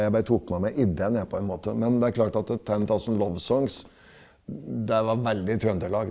jeg bare ble tok med meg idéen jeg på en måte, men det er klart at Ten Thousand Lovesongs det var veldig Trøndelag.